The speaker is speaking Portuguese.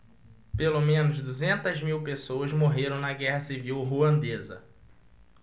pelo menos duzentas mil pessoas morreram na guerra civil ruandesa